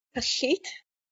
Cyllid.